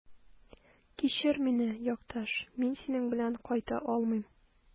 Кичер мине, якташ, мин синең белән кайта алмыйм.